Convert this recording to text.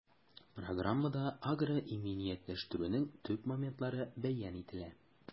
Программада агроиминиятләштерүнең төп моментлары бәян ителә.